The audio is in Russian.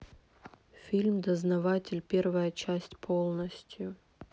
фильм дознаватель первая часть полностью